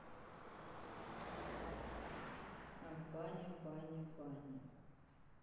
ах баня баня баня